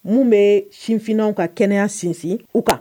Mun bɛ sinfw ka kɛnɛya sinsin u kan